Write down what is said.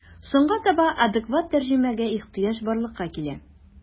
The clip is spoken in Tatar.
Соңга таба адекват тәрҗемәгә ихҗыяҗ барлыкка килә.